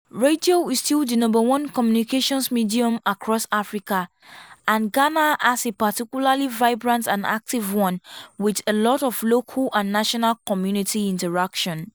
Radio is still the number one communications medium across Africa, and Ghana has a particularly vibrant and active one with a lot of local and national community interaction.